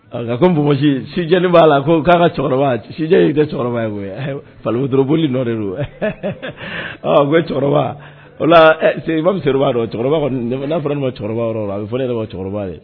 Ko npogo b'a la ko k'a ka cɛkɔrɔba ye faorooli nɔ de don cɛkɔrɔba bɛ n'a fɔra ma cɛkɔrɔba la a bɛ fɔ ne yɛrɛ cɛkɔrɔba ye